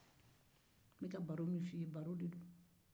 n bɛ ka kuma min fɔ i ye baro de don